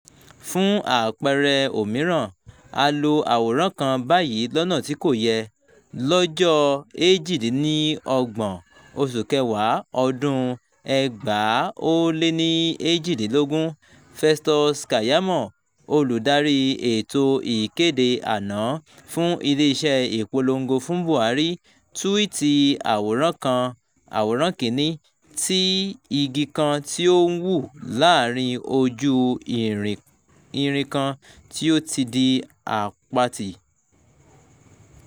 Fún àpẹẹrẹ òmíràn, a lo àwòrán kan báyìí lọ́nà tí kò yẹ. Lọ́jọ́ 28, oṣù kẹwàá, ọdún-un, 2018, Festus Keyamo, olùdarí ètò ìkéde àná fún Iléeṣẹ́ Ìpolongo fún Buhari, túwíìtì àwòrán kan (Aworan 1) ti igi kan tí ó ń wù láàárín ojú irin kan tí ó ti di àpatì: